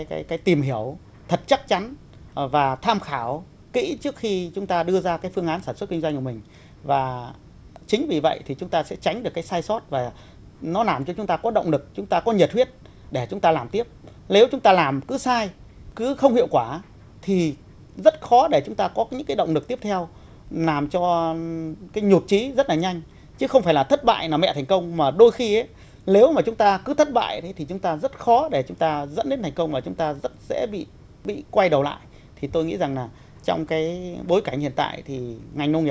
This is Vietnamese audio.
cái cái tìm hiểu thật chắc chắn và tham khảo kỹ trước khi chúng ta đưa ra cái phương án sản xuất kinh doanh của mình và chính vì vậy thì chúng ta sẽ tránh được cái sai sót và nó làm cho chúng ta có động lực chúng ta có nhiệt huyết để chúng ta làm tiếp nếu chúng ta làm cứ sai cứ không hiệu quả thì rất khó để chúng ta có những cái động lực tiếp theo làm cho cái nhụt chí rất là nhanh chứ không phải là thất bại là mẹ thành công mà đôi khi nếu mà chúng ta cứ thất bại thì chúng ta rất khó để chúng ta dẫn đến thành công mà chúng ta rất dễ bị bị quay đầu lại thì tôi nghĩ rằng là trong cái bối cảnh hiện tại thì ngành nông nghiệp